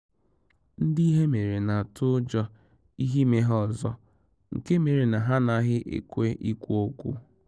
Ndị ihe mere na-atu ụjọ ihe ime ha ọzọ nke mere na ha anaghị ekwe ikwu okwu